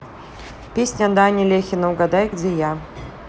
песня дани лехина угадай где я